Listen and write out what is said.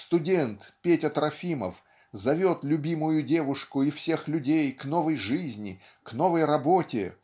Студент Петя Трофимов зовет любимую девушку и всех людей к новой жизни к новой работе